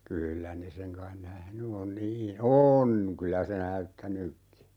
kyllä ne sen kai nähnyt on niin on kyllä se näyttänytkin